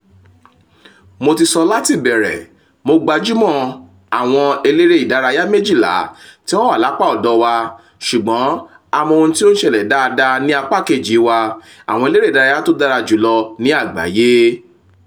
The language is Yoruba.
Mo ti sọ mláti ìbẹ̀rẹ̀, Mo gbájúmọ́ àwọn èléré ìdárayá 12 tí wọ́n wà lápá ọ̀dọ̀ wa, ṣùgbọ́n a mọ ohun tí ó ń ṣẹlẹ̀ dáadáa ní apá kejì wa -. àwọn eléré ìdárayá tó dára jùlọ ní àgbáyé”